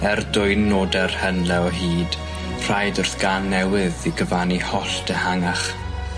Er dwyn node'r henle o hyd, rhaid wrth gân newydd i gyfannu holl dehangach.